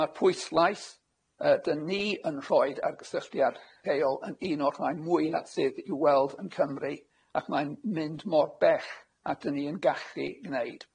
Ma'r pwyslais yy 'dyn ni yn rhoid ar gysylltiad lleol yn un o'r rhai mwyaf sydd i'w weld yn Cymru ac mae'n mynd mor bell a 'dyn ni yn gallu gneud.